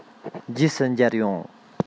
རྗེས སུ མཇལ ཡོང